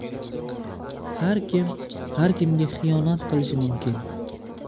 har kim har kimga xiyonat qilishi mumkin